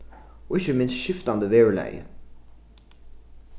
og ikki minst skiftandi veðurlagi